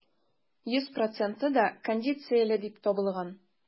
Йөз проценты да кондицияле дип табылган.